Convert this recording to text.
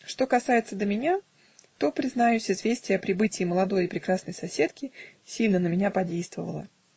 Что касается до меня, то, признаюсь, известие о прибытии молодой и прекрасной соседки сильно на меня подействовало